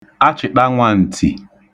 achị̀ṭanwāǹtì